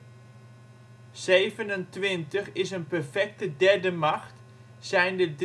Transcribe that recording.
Zevenentwintig is een perfecte derde macht, zijnde